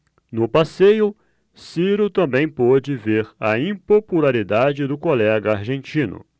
no passeio ciro também pôde ver a impopularidade do colega argentino